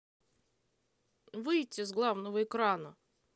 выйти с главного экрана